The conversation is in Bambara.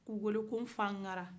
k'u wele ko nfaŋara